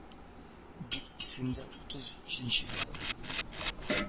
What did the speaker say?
Бик исемдә утыз җиденче ел